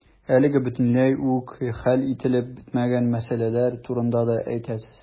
Әлегә бөтенләй үк хәл ителеп бетмәгән мәсьәләләр турында да әйтәсез.